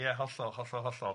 Ie hollol hollol hollol.